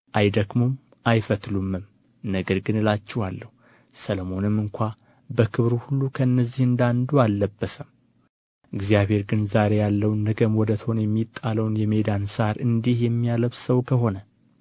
አይደክሙም አይፈትሉምም ነገር ግን እላችኋለሁ ሰሎሞንስ እንኳ በክብሩ ሁሉ ከነዚህ እንደ አንዱ አልለበሰም እግዚአብሔር ግን ዛሬ ያለውን ነገም ወደ እቶን የሚጣለውን የሜዳን ሣር እንዲህ የሚያለብሰው ከሆነ